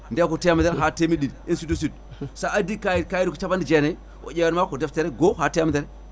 nde ko temedere ha temedde ɗiɗi ainsi de suit sa addi kayit kayit ko capanɗe jeenayyi o jewanma ko deftere go ha temedere